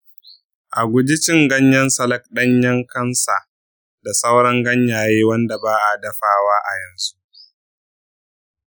a guji cin ganyen salak danyen kansa da sauran ganyaye wanda ba’a dafawa a yanzu